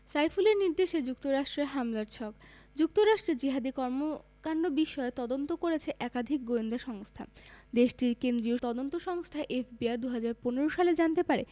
সাইফুলের নির্দেশে যুক্তরাষ্ট্রে হামলার ছক যুক্তরাষ্ট্রে জিহাদি কর্মকাণ্ড বিষয়ে তদন্ত করেছে একাধিক গোয়েন্দা সংস্থা দেশটির কেন্দ্রীয় তদন্ত সংস্থা এফবিআই ২০১৫ সালে জানতে পারে